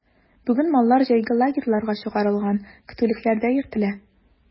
Бүген маллар җәйге лагерьларга чыгарылган, көтүлекләрдә йөртелә.